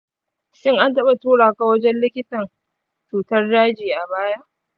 shin an taɓa tura ka wajen likitan cutar daji a baya?